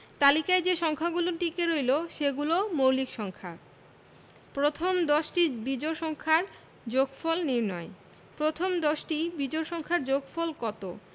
তালিকায় যে সংখ্যাগুলো টিকে রইল সেগুলো মৌলিক সংখ্যা প্রথম দশটি বিজোড় সংখ্যার যোগফল নির্ণয় প্রথম দশটি বিজোড় সংখ্যার যোগফল কত